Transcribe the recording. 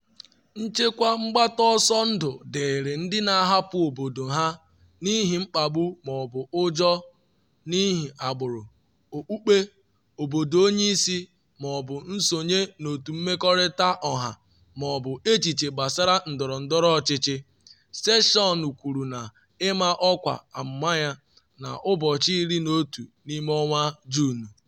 “Nchekwa mgbata ọsọ ndụ dịịrị ndị na-ahapụ obodo ha n’ihi mkpagbu ma ọ bụ ụjọ n’ihi agbụrụ, okpukpe, obodo onye si, ma ọ bụ nsonye n’otu mmekọrịta ọha ma ọ bụ echiche gbasara ndọrọndọrọ ọchịchị,” Sessions kwuru na ịma ọkwa amụma ya na Juun 11.